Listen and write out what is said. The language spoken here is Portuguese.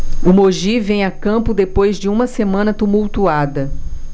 o mogi vem a campo depois de uma semana tumultuada